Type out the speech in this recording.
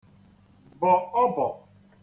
-bò ọbọ̀